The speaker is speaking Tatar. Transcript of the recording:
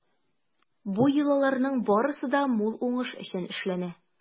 Бу йолаларның барысы да мул уңыш өчен эшләнә.